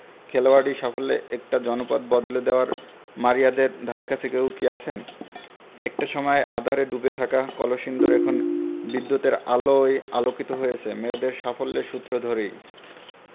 খেলোয়াড়ি সাফল্যে একটা জনপদ বদলে দেওয়ার মারিয়াদের ধারেকাছে কেউ কি আছেন একটা সময়ে আঁধারে ডুবে থাকা কলসিন্দুর এখন বিদ্যুতের আলোয় আলোকিত হয়েছে মেয়েদের সাফল্যের সূত্র ধরেই